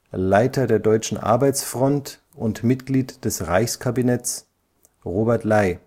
Leiter der Deutschen Arbeitsfront und Mitglied des Reichskabinetts: Robert Ley